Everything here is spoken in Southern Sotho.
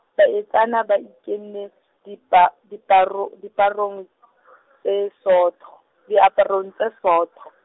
baetsana ba ikinne dipa-, diparo-, diaparong, tse sootho, diaparong tse sootho.